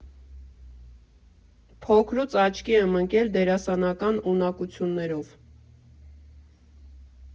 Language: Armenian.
Փոքրուց աչքի եմ ընկել դերասանական ունակություններով։